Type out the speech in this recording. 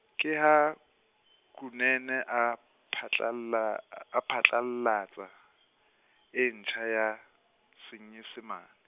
ke ha, Kunene a phatlalla-, a phatlallatsa, e ntjha ya, Senyesemane.